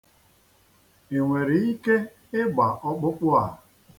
I nwere ike ịgba ọkpụkpụ a.